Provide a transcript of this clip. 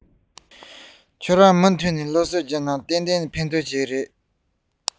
ཁྱེད རང གིས མུ མཐུད སློབ གསོ རྒྱོབས དང ཏན ཏན ཕན ཐོགས ཀྱི རེད